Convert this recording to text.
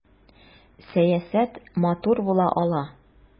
Сәясәт матур була ала!